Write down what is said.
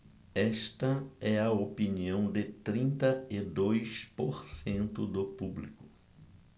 esta é a opinião de trinta e dois por cento do público